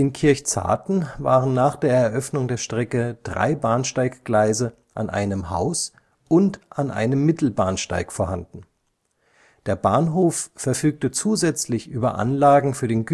Kirchzarten waren nach der Eröffnung der Strecke drei Bahnsteiggleise an einem Haus - und an einem Mittelbahnsteig vorhanden. Der Bahnhof verfügte zusätzlich über Anlagen für den